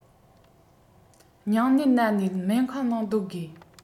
སྙིང ནད ན ནས སྨན ཁང ནང སྡོད དགོས